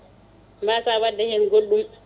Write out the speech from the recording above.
mbasa wadde hen goɗɗum